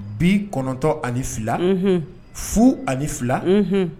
Bi kɔnɔntɔn ani fila fu ani fila